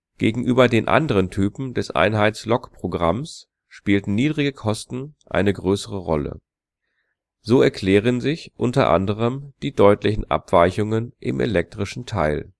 Gegenüber den anderen Typen des Einheitslokprogramms spielten niedrige Kosten eine größere Rolle. So erklären sich unter anderem die deutlichen Abweichungen im elektrischen Teil